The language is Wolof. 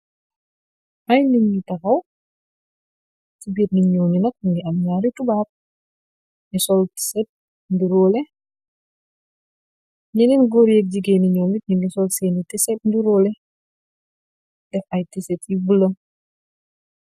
Ay nit nyu taxaw, ci biir nit ñuo ñu nak mingi am naari tubaab, nyu sol tiset nduroole, ñeneen góor yéeg jigéen nyom mit nyingi sol seeni tiset nduróole, def ay tisét yu bula.